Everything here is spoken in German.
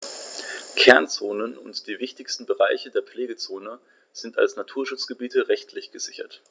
Kernzonen und die wichtigsten Bereiche der Pflegezone sind als Naturschutzgebiete rechtlich gesichert.